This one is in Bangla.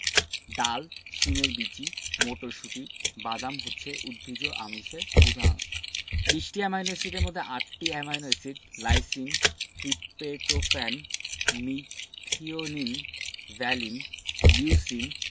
ডাল শিমের বিচি মটরশুঁটি বাদাম হচ্ছে উদ্ভিজ্জ আমিষের উদাহরণ ২০টি অ্যামাইনো এসিডের মধ্যে ৮টি অ্যামাইনো এসিডক lysine tryptophan methionine valine leucine